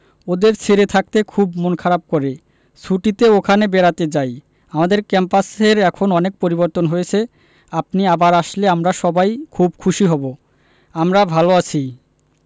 ওদের ছেড়ে থাকতে খুব মন খারাপ করে ছুটিতে ওখানে বেড়াতে যাই আমাদের ক্যাম্পাসের এখন অনেক পরিবর্তন হয়েছে আপনি আবার আসলে আমরা সবাই খুব খুশি হব আমরা ভালো আছি